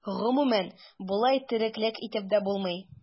Гомумән, болай тереклек итеп тә булмый.